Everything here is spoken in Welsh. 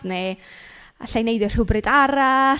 Neu allai wneud e rhywbryd arall.